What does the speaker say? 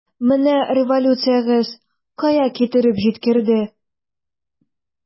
Менә революциягез кая китереп җиткерде!